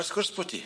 Wrth gwrs bo' ti.